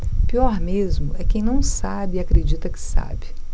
pior mesmo é quem não sabe e acredita que sabe